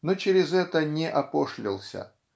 но через это не опошлился.